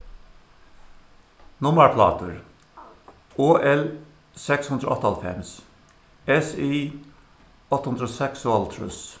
nummarplátur o l seks hundrað og áttaoghálvfems s i átta hundrað og seksoghálvtrýss